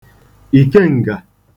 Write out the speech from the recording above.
ìkeǹgà